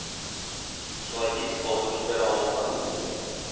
Шулай тиз кабызып җибәрә алуыма,